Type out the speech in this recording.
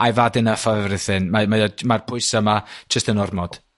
I've 'ad enough of everything mae mae o jy- mae'r pwysa 'ma jyst yn ormod.